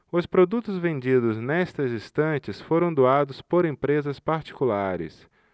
os produtos vendidos nestas estantes foram doados por empresas particulares